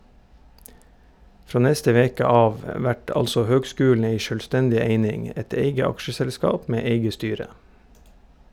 Frå neste veke av vert altså høgskulen ei sjølvstendig eining, eit eige aksjeselskap med eige styre.